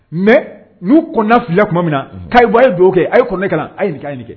Mɛ n'u kɔnɔna filɛ tuma min na ka ye don kɛ a' ye ne ka na a ye nina ɲininka kɛ